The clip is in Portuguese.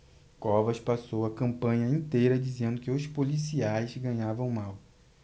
covas passou a campanha inteira dizendo que os policiais ganhavam mal